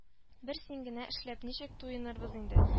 - бер син генә эшләп ничек туенырбыз инде: